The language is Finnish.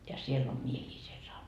ja siellä on miehiä siellä -